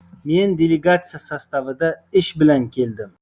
men delegatsiya sostavida ish bilan keldim